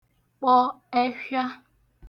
kpọ ẹfhịa